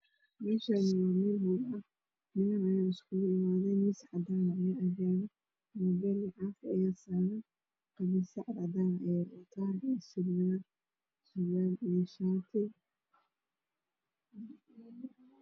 Meshani waa meel hol ah niman ayaa iskugu imaaday aaxaa yala miis cadan ayaa ag yala mabel iyo cafi ayaa saran qamiisya cad cadan ayeey wataan iyo surwal iyo shati